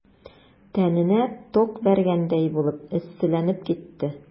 Тәненә ток бәргәндәй булып эсселәнеп китте.